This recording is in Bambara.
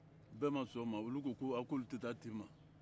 bɛɛ ma sɔn o ma olu ko ko aaa olu tɛ taa tema